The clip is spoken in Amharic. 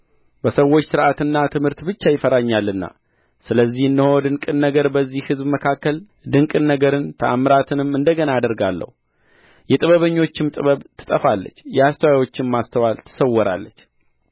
በሰዎች ሥርዓትና ትምህርት ብቻ ይፈራኛልና ስለዚህ እነሆ ድንቅ ነገርን በዚህ ሕዝብ መካከል ድንቅ ነገርን ተአምራትንም እንደ ገና አደርጋለሁ የጥበበኞችም ጥበብ ትጠፋለች የአስተዋዮችም ማስተዋል ትሰወራለች